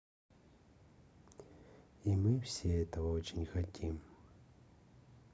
и мы все этого очень хотим